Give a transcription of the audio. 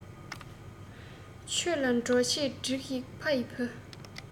ཆོས ལ འགྲོ ཆས སྒྲིགས ཤིག ཕ ཡི བུ